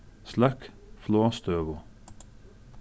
sløkk flogstøðu